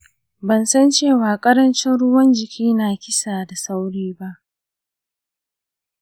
ban san cewa ƙarancin ruwan-jiki na kisa da sauri ba.